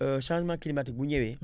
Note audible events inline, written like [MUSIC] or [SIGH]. [HESITATION] changement climatique bu ñëwee